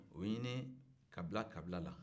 o bɛ ɲini kabila kabila la